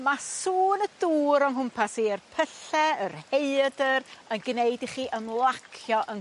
Ma sŵn y dŵr o'n nghwmpas i yr pylle y rhaeadyr yn gneud i chi ymlacio yn